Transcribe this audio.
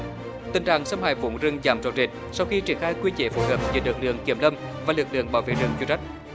tình trạng xâm hại vú rừng giảm rõ rệt sau khi triển khai quy chế phối hợp giữa lực lượng kiểm lâm và lực lượng bảo vệ rừng chuyên trách